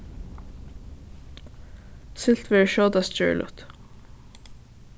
siglt verður skjótast gjørligt